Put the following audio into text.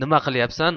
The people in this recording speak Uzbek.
nima qilayapsan